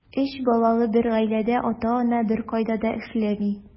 Өч балалы бер гаиләдә ата-ана беркайда да эшләми.